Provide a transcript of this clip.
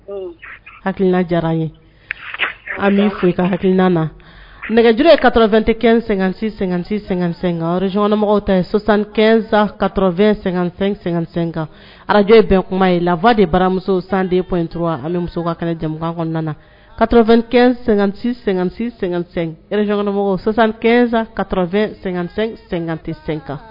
Hakiliina ye an ka hakili nɛgɛj ye2te-sɛɔnmɔgɔsansan2-sɛn araj bɛn kuma ye lafa de baramuso san de an muso ka kɛnɛ kɔnɔna ka2-resansan ka2-te sen kan